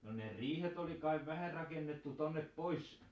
no ne riihet oli kai vähän rakennettu tuonne pois